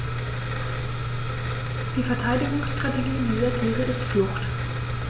Die Verteidigungsstrategie dieser Tiere ist Flucht.